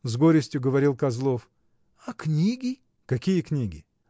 — с горестью говорил Козлов, — а книги? — Какие книги?